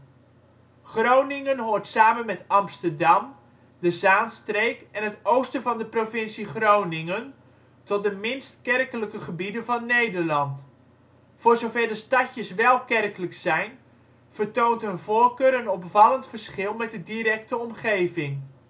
Groningen hoort samen met Amsterdam, de Zaanstreek en het oosten van de provincie Groningen tot de minst kerkelijke gebieden van Nederland. Voor zover de stadjers wel kerkelijk zijn, vertoont hun voorkeur een opvallend verschil met de directe omgeving